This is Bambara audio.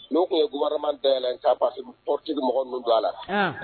N'u tun ye gouvernement dayɛlɛ ka parti politique mɔgɔ ninnu don a la, an